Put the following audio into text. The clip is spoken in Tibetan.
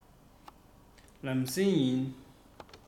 ལམ སེང ཡིན